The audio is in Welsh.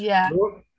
Ie... Ydyn nhw?